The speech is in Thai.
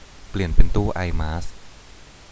เปลี่ยนเป็นตู้ไอมาส